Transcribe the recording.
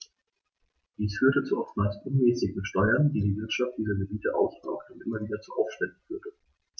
Dies führte zu oftmals unmäßigen Steuern, die die Wirtschaft dieser Gebiete auslaugte und immer wieder zu Aufständen führte.